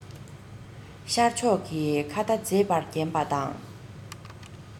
ཤར ཕྱོགས ཀྱི མཁའ མཐའ མཛེས པར བརྒྱན པ དང